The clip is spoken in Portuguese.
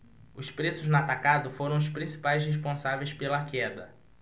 os preços no atacado foram os principais responsáveis pela queda